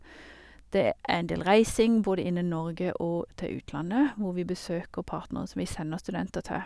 Det er en del reising, både innen Norge og til utlandet, hvor vi besøker partnere som vi sender studenter til.